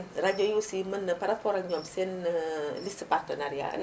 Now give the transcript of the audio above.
rajo yi aussi mën na par rapport ak ñoom seen liste partenariat